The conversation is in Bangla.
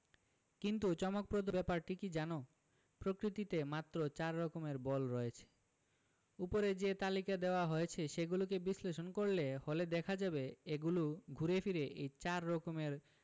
কিন্তু চমকপ্রদ ব্যাপারটি কী জানো প্রকৃতিতে মাত্র চার রকমের বল রয়েছে ওপরে যে তালিকা দেওয়া হয়েছে সেগুলোকে বিশ্লেষণ করা হলে দেখা যাবে এগুলো ঘুরে ফিরে এই চার রকমের